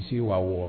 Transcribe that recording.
Misi se waga wa